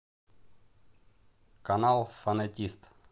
канал фонетист